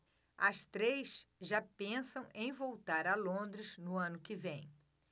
as três já pensam em voltar a londres no ano que vem